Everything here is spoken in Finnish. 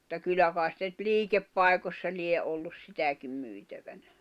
mutta kyllä kai sitä nyt liikepaikoissa lie ollut sitäkin myytävänä